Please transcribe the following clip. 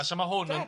A so ma' hwn yn